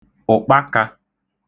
ụ̀kpakā